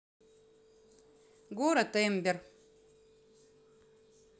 город эмбер